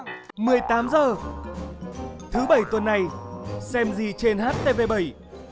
mười tám giờ thứ bảy tuần này xem gì trên hát tê vê bẩy